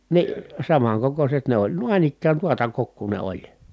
niin samankokoiset ne oli noin ikään tuota kokoa ne oli